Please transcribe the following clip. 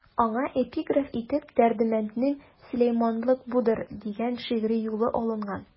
Аңа эпиграф итеп Дәрдмәнднең «Сөләйманлык будыр» дигән шигъри юлы алынган.